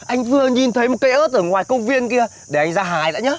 anh vừa nhìn thấy một cây ớt ở ngoài công viên kia để anh ra hái đã nhớ